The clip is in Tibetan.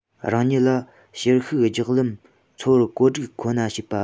རང ཉིད ལ ཕྱིར ཤིག རྒྱག ལམ འཚོལ བར བཀོད སྒྲིག ཁོ ན བྱེད པ